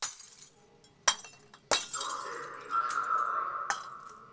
Նոր սերնդի աշխատավայր։